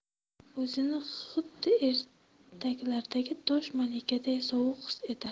o'zini xuddi ertaklardagi tosh malikaday sovuq his etadi